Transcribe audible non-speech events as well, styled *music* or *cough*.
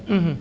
*hesitation* *hesitation*